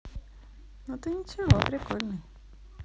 а ты ничего прикольный